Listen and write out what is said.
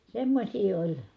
semmoisia oli